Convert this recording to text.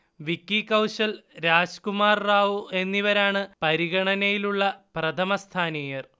വിക്കി കൗശൽ, രാജ്കുമാർ റാവു എന്നിവരാണ് പരിഗണനയിലുള്ള പ്രഥമസ്ഥാനീയർ